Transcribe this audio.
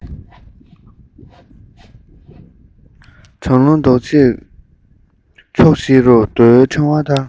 གསལ བཤད ཡི གེ ལ ལྟ བཞིན ཕུབ